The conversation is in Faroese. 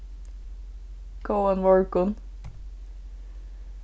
góðan morgun